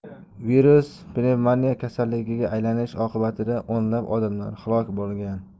virus pnevmoniya kasalligiga aylanishi oqibatida o'nlab odamlar halok bo'lgan